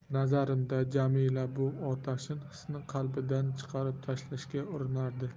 nazarimda jamila bu otashin hisni qalbidan chiqarib tashlashga urinardi